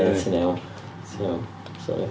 Ti'n iawn, ti'n iawn. Sori